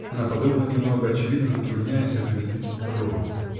Она подумала немного, очевидно затрудняясь определить род.